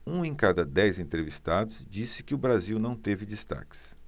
um em cada dez entrevistados disse que o brasil não teve destaques